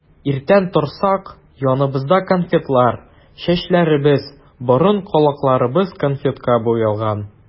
Иртән торсак, яныбызда конфетлар, чәчләребез, борын-колакларыбыз конфетка буялган.